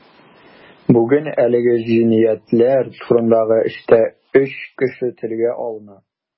Бүген әлеге җинаятьләр турындагы эштә өч кеше телгә алына.